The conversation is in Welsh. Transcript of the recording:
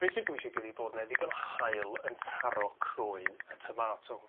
be' sy'n bwysig ydi bod 'ne ddigon o haul yn taro croen y tomato.